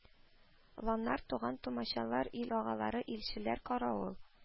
Ланнар, туган-тумачалар, ил агалары, илчеләр, каравыл